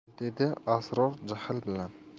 dedi asror jahl bilan